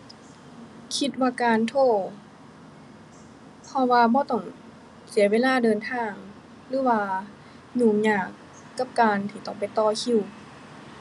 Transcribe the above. คิดว่าการโทร เพราะว่าบ่ต้องเสียเวลาเดินทางหรือว่ายุ่งยากกับการที่ต้องไปต่อคิว